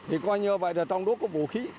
thì coi như vậy là trong đó có vũ khí